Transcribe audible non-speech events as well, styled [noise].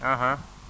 [hesitation] [hesitation]